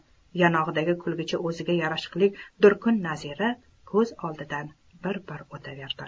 yonog'idagi kulgichi o'ziga yarashiqli durkun nazira ko'z oldidan bir bir o'taverdi